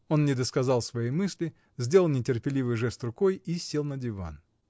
Он не досказал своей мысли, сделал нетерпеливый жест рукой и сел на диван.